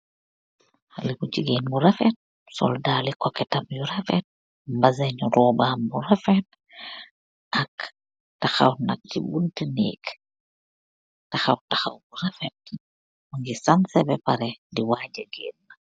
Haleh bu jigeen bu refet sool daali kukeet taam yu refet mbazen robam bu refet ak taxaw nak si bunti neeg taxaw taxaw bu refet mogi sanseh beh pareh di waja gena.